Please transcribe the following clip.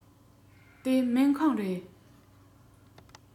དེ སྨན ཁང རེད